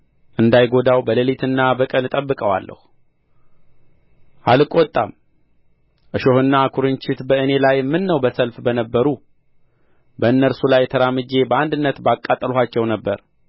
እንዳይጐዳው በሌሊትና በቀን እጠብቀዋለሁ አልቈጣም እሾህና ኵርንችት በእኔ ላይ ምነው በሰልፍ በነበሩ በእነርሱ ላይ ተራምጄ በአንድነት ባቃጠልኋቸው ነበር